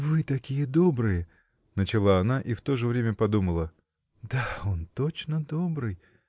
-- Вы такие добрые, -- начала она и в то же время подумала: "Да, он точно добрый.